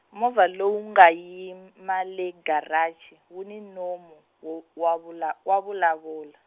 movha lowu nga yim- -ma le garachi, wu ni nomu wo wa vula- wa vulavula.